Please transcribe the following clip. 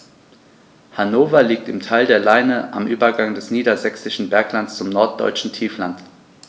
Hannover liegt im Tal der Leine am Übergang des Niedersächsischen Berglands zum Norddeutschen Tiefland.